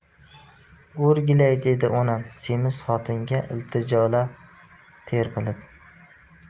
o'rgilay dedi onam semiz xotinga iltijoli termilib